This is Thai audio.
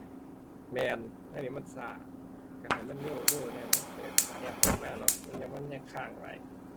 แม่น อันนี้มันช้า ช้าให้มันเร็วเร็วแหน่ มันเปิดแอปขึ้นมาเนาะ มันอย่า มันอย่าค้างหลาย